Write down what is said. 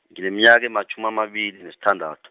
ngineminyaka ematjhumi amabili nesithandathu.